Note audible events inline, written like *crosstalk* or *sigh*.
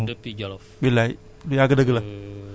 *hesitation* jërëjëf Amady